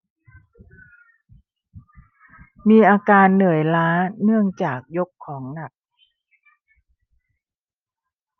มีอาการเหนื่อยล้าเนื่องจากยกของหนัก